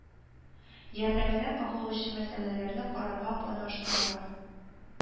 Ярдәменә кагылучы мәсьәләләрне карарга планлаштыра